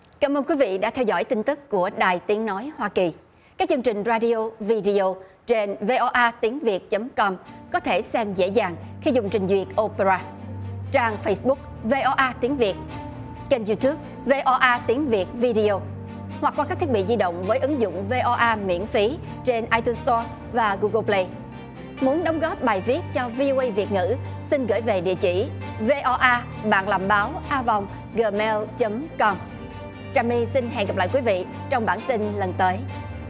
cảm ơn quý vị đã theo dõi tin tức của đài tiếng nói hoa kỳ các chương trình ra đi ô vi đê ô trên vê o a tiếng việt chấm com có thể xem dễ dàng khi dùng trình duyệt ô pê ra trang phây búc vê o a tiếng việt kênh diu túp vê o a tiếng việt vi đê ô hoặc qua các thiết bị di động với ứng dụng vê o a miễn phí trên ai tun sờ to và gu gồ pờ lây muốn đóng góp bài viết cho vi ô ây việt ngữ xin gởi về địa chỉ vê o a bạn làm báo a vòng gờ meo chấm com trà my xin hẹn gặp lại quý vị trong bản tin lần tới